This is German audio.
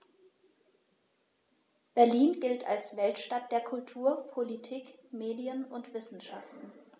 Berlin gilt als Weltstadt der Kultur, Politik, Medien und Wissenschaften.